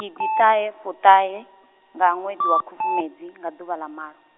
gidiṱahefuṱahe-, nga ṅwedzi wa Khubvumedzi, nga ḓuvha ḽa malo.